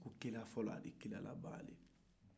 ko ciden fɔlɔ ni ciden laban de don